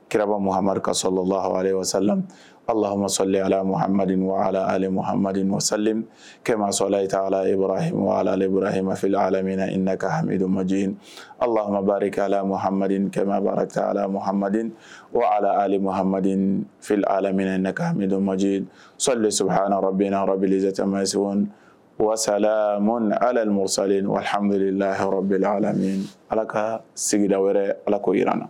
Kirarababa mahama sɔlalahasala alaha sala ala ma ma kema sɔlayi alahima alahimalela alami iinakamima alari ala makɛma ala ma o ala ma fili alamina nema sɔ de sabaha bɛbi caman se walasala alamu sahamilahara bɛla alami ala ka sigira wɛrɛ ala ko yiranna